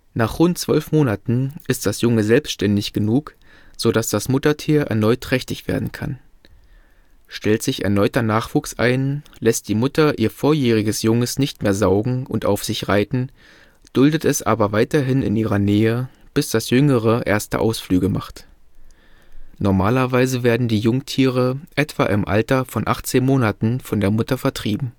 Nach rund zwölf Monaten ist das Junge selbständig genug, so dass das Muttertier erneut trächtig werden kann. Stellt sich erneuter Nachwuchs ein, lässt die Mutter ihr vorjähriges Junges nicht mehr saugen und auf sich reiten, duldet es weiterhin in ihrer Nähe, bis das jüngere erste Ausflüge macht. Normalerweise werden die Jungtiere etwa im Alter von 18 Monaten von der Mutter vertrieben